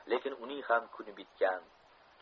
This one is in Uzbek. lekin uning xam kuni bitgan